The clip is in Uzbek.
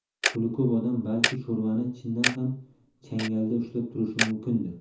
puli ko'p odam balki sho'rvani chindan ham changalida ushlab turishi mumkindir